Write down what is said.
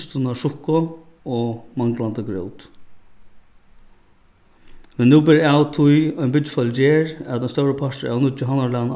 kisturnar sukku og manglandi grót men nú ber av tí ein byggifeilur ger at ein stórur partur av nýggja havnarlagnum